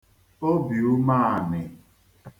obìumeanì